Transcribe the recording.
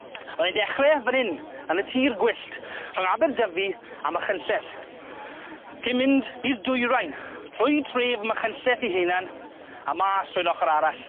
Fyddai'n dechre fyn 'yn yn y tir gwyllt rhwng Aberdyfi a Machynlleth cyn mynd i'r dwyrain trwy tref Machynlleth ei hunan a mas trwy'r ochor arall.